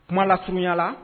Kuma la surunyala